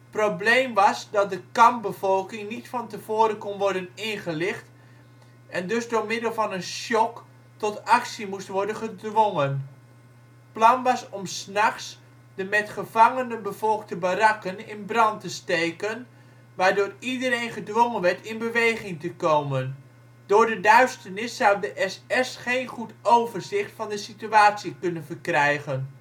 Probleem was dat de kampbevolking niet van tevoren kon worden ingelicht en dus door middel van een shock tot actie moest worden gedwongen. Plan was om ' s nachts de met gevangenen bevolkte barakken in brand te steken, waardoor iedereen gedwongen werd in beweging te komen. Door de duisternis zou de SS geen goed overzicht van de situatie kunnen verkrijgen